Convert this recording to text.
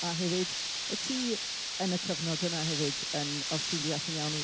A hefyd, o't ti yn y cyfnod yna hefyd, yn... os dwi'n deall yn iawn